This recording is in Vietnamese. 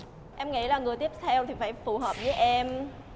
em nghĩ là người tiếp theo thì phải phù hợp với em